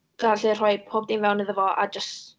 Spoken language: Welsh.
Gallu rhoi pob dim fewn iddo fo, a jyst...